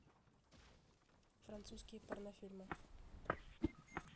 французские порнофильмы